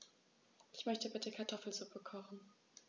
Ich möchte bitte Kartoffelsuppe kochen.